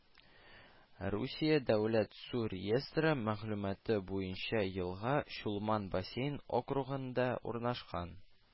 Русия дәүләт су реестры мәгълүматы буенча елга Чулман бассейн округында урнашкан